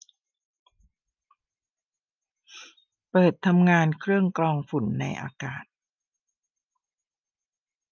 เปิดทำงานเครื่องกรองฝุ่นในอากาศ